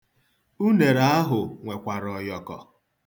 Unere ahụ nwekwara ọyọkọ